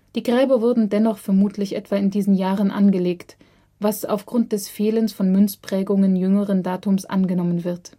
Die Gräber wurden dennoch vermutlich etwa in diesen Jahren angelegt, was aufgrund des Fehlens von Münzprägungen jüngeren Datums angenommen wird